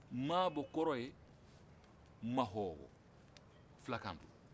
maabɔ kɔrɔ ye mahɔbbɔ filakan na